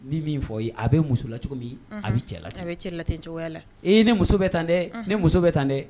N bɛ min fɔ i ye a bɛ muso la cogo min a bɛ cɛ la ten o cogoya la e ne muso bɛ tan dɛ ne muso bɛ tan dɛ